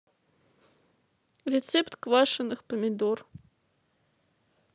рецепт квашенных помидор